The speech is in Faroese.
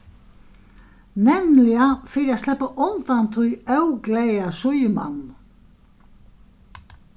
nemliga fyri at sleppa undan tí óglaða síðumanninum